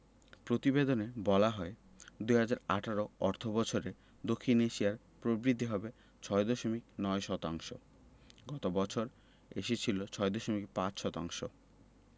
প্রতিবেদনে বলা হয় ২০১৮ অর্থবছরে দক্ষিণ এশিয়ায় প্রবৃদ্ধি হবে ৬.৯ শতাংশ গত বছর এসেছিল ৬.৫ শতাংশ